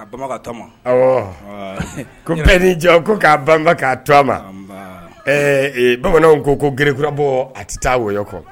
Ko bɛɛ' jɔ ko k'a ban k'a to ma bamananw ko ko grikurabɔ a tɛ taawɔyɔ kɔ